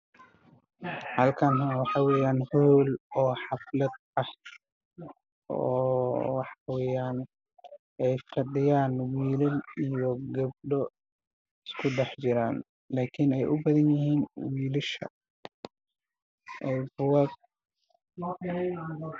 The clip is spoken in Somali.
Halkaan waxaa weeyaan howl oo xaflad ah oo waxaa weeyaal fadhiyaan wiilal gabdho ku dhex jiraan laakiin ay u badan yihiin wiilasha.